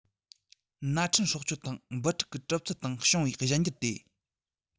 ན ཕྲན སྲོག ཆགས དང འབུ ཕྲུག གི གྲུབ ཚུལ སྟེང བྱུང བའི གཞན འགྱུར དེ